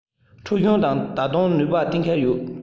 ཁྲའོ ཞན ལ ད དུང གནོད པའི གཏན འཁེལ ཡོད